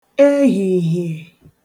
ehìhiè